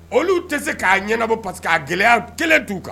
Olu tɛ se k'a ɲɛnabɔ pa que k' gɛlɛyaya kelen d'u kan